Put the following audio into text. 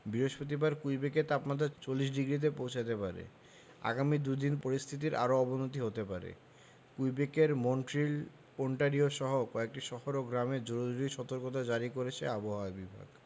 বৃহস্পতিবার কুইবেকে তাপমাত্রা ৪০ ডিগ্রিতে পৌঁছাতে পারে আগামী দু'দিনে পরিস্থিতির আরও অবনতি হতে পারে কুইবেকের মন্ট্রিল ওন্টারিওসহ কয়েকটি শহর ও গ্রামে জরুরি সতর্কতা জারি করেছে আবহাওয়া বিভাগ